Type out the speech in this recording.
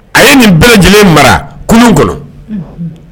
A ye nin bɛɛ lajɛlen mara kulu kɔnɔ